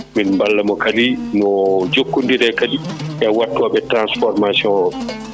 min ballamo kadi no jokkodire kadi e wattoɓe transformation o